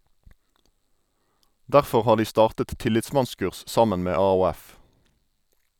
Derfor har de startet tillitsmannskurs sammen med AOF.